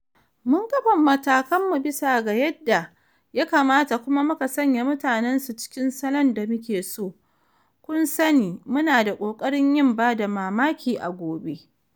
Mun kafa matakanmu bisa ga yadda ya kamata kuma muka sanya mutanen su cikin salon da muke so, kun sani, mu na ƙoƙarin yin bada mamaki a gobe. "